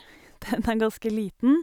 Den er ganske liten.